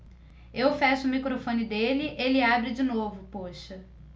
eu fecho o microfone dele ele abre de novo poxa